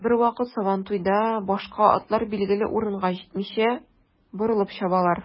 Бервакыт сабантуйда башка атлар билгеле урынга җитмичә, борылып чабалар.